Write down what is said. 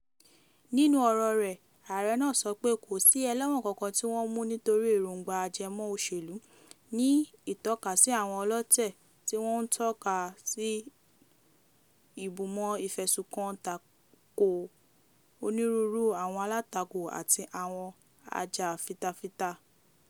Nínú ọ̀rọ̀ rẹ̀, ààrẹ náà sọ pé "kò sì ẹlẹ́wọ̀n kankan tí wọ́n mú nítorí èróńgbà ajẹmọ́ òṣèlú," ní ìtọ́kasí àwọn ọlọ́tẹ̀ tí wọ́n ń tọ́ka sí ìbùmọ́ ìfẹ̀sùnkàn tako ònírúurú àwọn alátakò àti àwọn ajàfitafita.